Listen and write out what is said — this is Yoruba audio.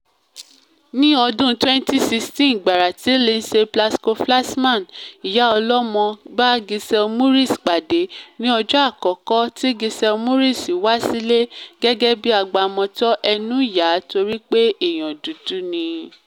Ní ọdún 2016, gbàrà ti Lynsey Plasco-Flaxman, ìyá ọlọ́mọ, bá Giselle Maurice pàdé ní ọjọ́ àkọ́kọ́ tí Giselle Maurice wá sílẹ̀ gẹ́gẹ́ bí agbọmọtọ́, ẹnú yà á torí pé èèyàn dúdú ni i.